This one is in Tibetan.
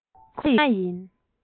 རྩོམ རིག ཁོ ན ཡིན